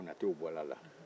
konatew bɔra a la